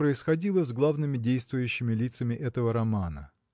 происходило с главными действующими лицами этого романа.